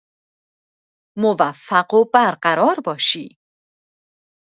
موفق و برقرار باشی.